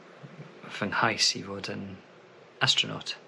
fy nghais i fod yn astronaut.